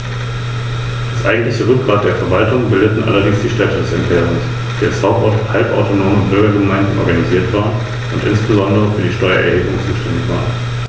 Auffallend ist neben der für Adler typischen starken Fingerung der Handschwingen der relativ lange, nur leicht gerundete Schwanz.